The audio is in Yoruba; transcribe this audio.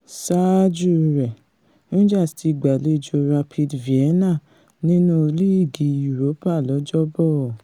Saájú rẹ̀, Rangers ti gbàlejò Rapid Vienna nínú Líìgì Yuropa lọjọ 'Bọ̀.